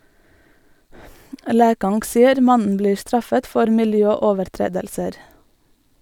Lekang sier mannen blir straffet for miljøovertredelser.